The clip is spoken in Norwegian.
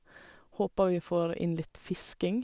Håper vi får inn litt fisking.